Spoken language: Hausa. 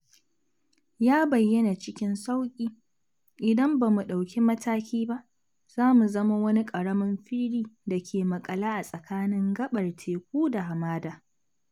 Ya bayyana cikin sauƙi: "Idan ba mu ɗauki mataki ba, za mu zama wani ƙaramin fili da ke maƙale a tsakanin gaɓar teku da hamada."